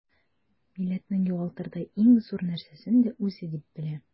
Милләтнең югалтырдай иң зур нәрсәсен дә үзе дип белә.